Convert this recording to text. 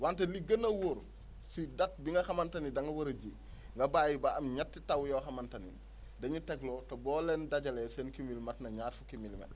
wante li gën a wóor si date bi nga xamante ni da nga war a ji nga bàyyi ba am ñetti taw yoo xamante ni dañu tegloo te boo leen dajalee seen cumul mot na ñaar fukki milimètres